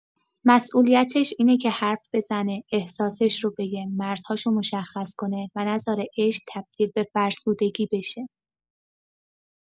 مسئولیتش اینه که حرف بزنه، احساسش رو بگه، مرزهاشو مشخص کنه و نذاره عشق تبدیل به فرسودگی بشه.